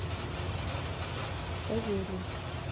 савелий